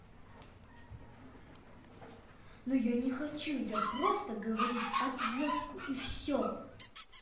но я не хочу я просто говорить отвертку и все